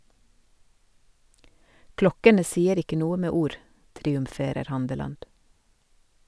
- Klokkene sier ikke noe med ord , triumferer Handeland.